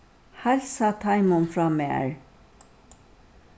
heilsa teimum frá mær